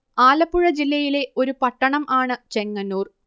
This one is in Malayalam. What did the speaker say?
ആലപ്പുഴ ജില്ലയിലെ ഒരു പട്ടണം ആണ് ചെങ്ങന്നൂർ